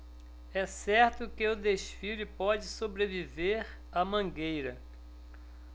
é certo que o desfile pode sobreviver à mangueira